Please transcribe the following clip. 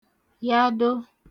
yado